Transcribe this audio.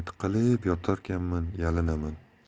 tiqilib yotarkanman yalinaman